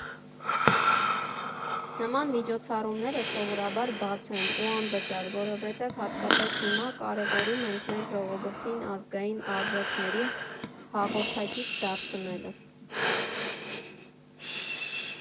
Նման միջոցառումները սովորաբար բաց են ու անվճար, որովհետև հատկապես հիմա կարևորում ենք մեր ժողովրդին ազգային արժեքներին հաղորդակից դարձնելը։